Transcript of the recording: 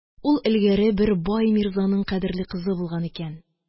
Ул элгәре бер бай мирзаның кадерле кызы булган икән